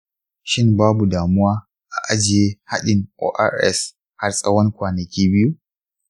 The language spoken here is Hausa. shin babu damuwa a ajiye haɗin ors har tsawon kwanaki biyu?